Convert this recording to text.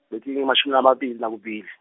letingu mashumi amabili nakubili.